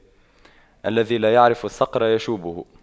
الذي لا يعرف الصقر يشويه